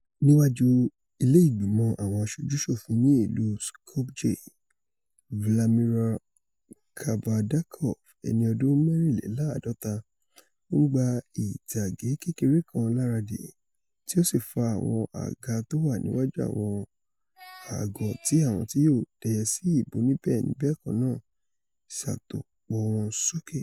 Níwájú ilé ìgbìmọ̀ àwọn aṣoju-ṣòfin ní ìlú Skopje, Vlamirir Kavardarkov, ẹni ọdún mẹ́rìnléláàádọ́ta, ńgba ìtàgé kékeré kan láradì tí ó sì fa àwọn àga tówà niwaju àwọn àgọ́ tí àwọn ti yóò dẹ́yẹ sí ìbò oníbẹ́ẹ̀ni-bẹ́ẹ̀kọ́ náà ṣàtòpọ̀ wọn sókè.